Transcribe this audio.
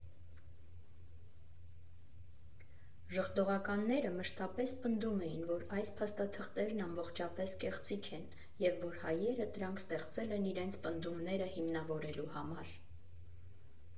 Ժխտողականները մշտապես պնդում էին, որ այս փաստաթղթերն ամբողջապես կեղծիք են, և որ հայերը դրանք ստեղծել են իրենց պնդումները հիմնավորելու համար։